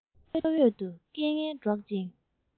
ཁ བའི ཁྲོད དུ སྐད ངན སྒྲོག ཅིང